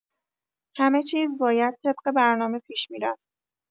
همه‌چیز باید طبق برنامه پیش می‌رفت.